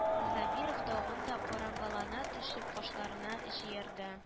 Зәбиров тагын да караңгылана төшеп кашларына җыерды